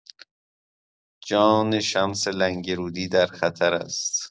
جان شمس لنگرودی در خطر است.